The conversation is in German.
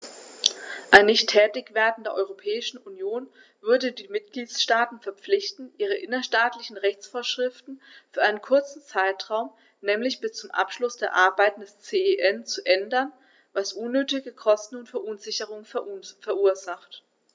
Ein Nichttätigwerden der Europäischen Union würde die Mitgliedstaaten verpflichten, ihre innerstaatlichen Rechtsvorschriften für einen kurzen Zeitraum, nämlich bis zum Abschluss der Arbeiten des CEN, zu ändern, was unnötige Kosten und Verunsicherungen verursacht.